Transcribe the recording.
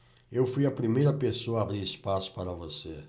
eu fui a primeira pessoa a abrir espaço para você